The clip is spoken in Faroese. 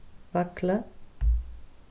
vaglið